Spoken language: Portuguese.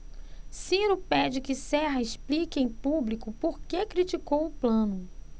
ciro pede que serra explique em público por que criticou plano